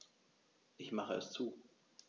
Ich mache es zu.